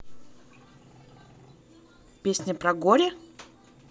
песни про горе